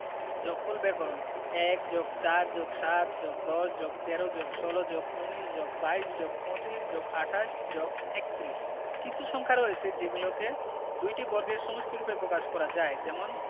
যগফল বের করঃ ১+৪+৭+১০+১৩+১৬+১৯+২২+২৫+২৮+৩১ কিছু সংখ্যা রয়েছে যেগুলোকে দুইটি বর্গের সমষ্টিরুপে প্রকাশ করা যায় যেমনঃ